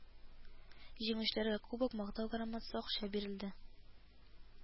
Җиңүчеләргә кубок, мактау грамотасы, акча бирелде